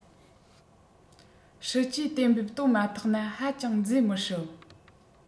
སྲིད ཇུས གཏན འབེབས བཏོན མ ཐག ན ཧ ཅང མཛེས མི སྲིད